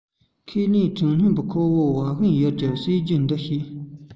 ཁས ལེན དྲང སྙོམས ཀྱི ཁ ལོ བ ཧྥན ཡུས གྱིས སྲིད ཇུས འདི ཤེས